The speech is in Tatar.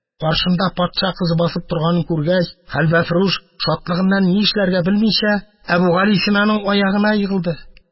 Каршында патша кызы басып торганын күргәч, хәлвәфрүш, шатлыгыннан ни эшләргә белмичә, Әбүгалисинаның аягына егылды.